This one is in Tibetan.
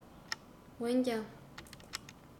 འོན ཀྱང